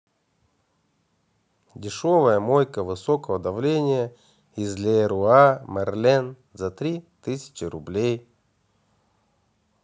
дешевая мойка высокого давления из леруа мерлен за три тысячи рублей